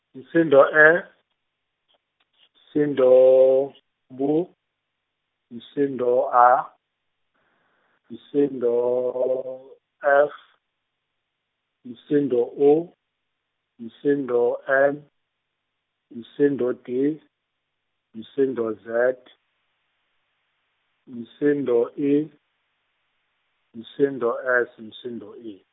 msindo E, msindo B, msindo A, msindo F, msindo U, msindo N, msindo D, msindo Z, msindo I, msindo S, msindo I.